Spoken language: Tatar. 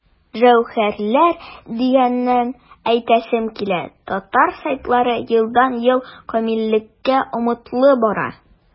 Җәүһәрләр дигәннән, әйтәсем килә, татар сайтлары елдан-ел камиллеккә омтыла бара.